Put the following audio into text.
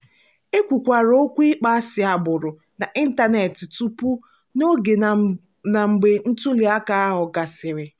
E kwukwara okwu ịkpọasị agbụrụ n'ịntaneetị tupu, n'oge na mgbe ntụliaka ahụ gasịrị.